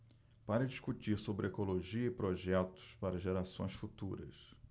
para discutir sobre ecologia e projetos para gerações futuras